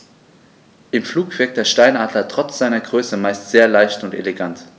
Im Flug wirkt der Steinadler trotz seiner Größe meist sehr leicht und elegant.